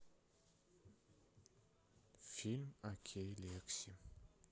фильм окей лекси